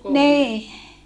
niin